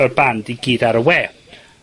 y band i gyd ar y we.